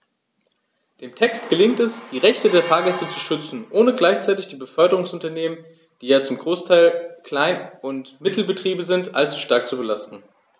Dem Text gelingt es, die Rechte der Fahrgäste zu schützen, ohne gleichzeitig die Beförderungsunternehmen - die ja zum Großteil Klein- und Mittelbetriebe sind - allzu stark zu belasten.